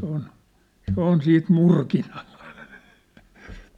se on se on siitä murkinalla